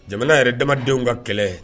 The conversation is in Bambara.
Jamana yɛrɛ damadenw ka kɛlɛ